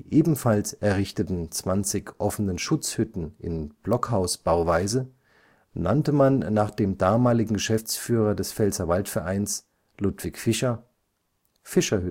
ebenfalls errichteten 20 offenen Schutzhütten in Blockhausbauweise nannte man nach dem damaligen Geschäftsführer des Pfälzerwald-Vereins, Ludwig Fischer, Fischer-Hütten